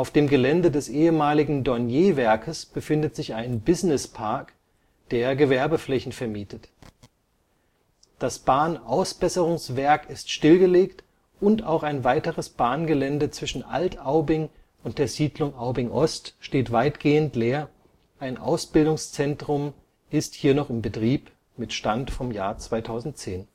dem Gelände des ehemaligen Dornier-Werkes befindet sich ein „ Business-Park “, der Gewerbeflächen vermietet. Das Bahnausbesserungswerk ist stillgelegt und auch ein weiteres Bahngelände zwischen Alt-Aubing und der Siedlung Aubing-Ost steht weitgehend leer, ein Ausbildungszentrum ist hier noch in Betrieb (Stand 2010